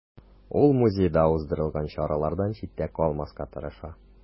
Ул музейда уздырылган чаралардан читтә калмаска тырыша.